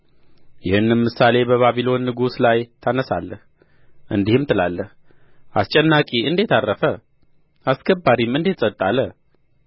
ይህንም ምሳሌ በባቢሎን ንጉሥ ላይ ታነሣለህ እንዲህም ትላለህ አስጨናቂ እንዴት ዐረፈ አስገባሪም እንዴት ጸጥ አለ